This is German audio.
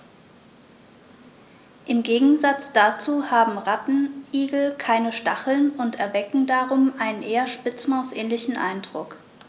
Im Gegensatz dazu haben Rattenigel keine Stacheln und erwecken darum einen eher Spitzmaus-ähnlichen Eindruck.